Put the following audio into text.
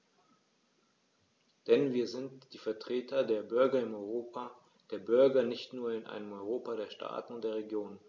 Denn wir sind die Vertreter der Bürger im Europa der Bürger und nicht nur in einem Europa der Staaten und der Regionen.